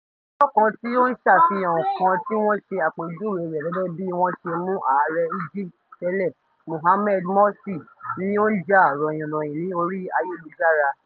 Fọ́nràn kan tí ó ń ṣàfihàn nǹkan tí wọ́n ṣe àpèjúwe rẹ̀ gẹ́gẹ́ bíi wọ́n ṣe mú ààrẹ Egypt tẹ́lẹ̀ Mohamed Morsi ni ó ń jà ròhìnròhìn ní orí ayélujára.